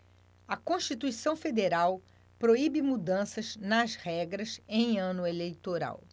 a constituição federal proíbe mudanças nas regras em ano eleitoral